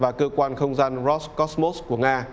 và cơ quan không gian roát coát mốt của nga